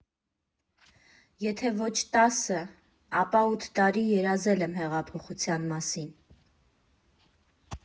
Եթե ոչ տասը, ապա ութ տարի երազել եմ հեղափոխության մասին։